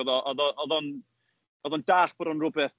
Oedd o oedd o oedd o'n oedd o'n dallt bod o'n rywbeth…